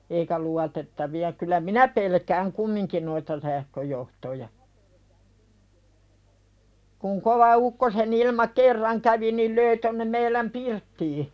eikä luotettavia kyllä minä pelkään kumminkin noita sähköjohtoja kun kova ukkosenilma kerran kävi niin löi tuonne meidän pirttiin